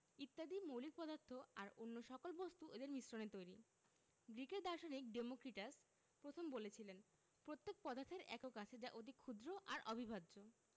ইত্যাদি মৌলিক পদার্থ আর অন্য সকল বস্তু এদের মিশ্রণে তৈরি গ্রিসের দার্শনিক ডেমোক্রিটাস প্রথম বলেছিলেন প্রত্যেক পদার্থের একক আছে যা অতি ক্ষুদ্র আর অবিভাজ্য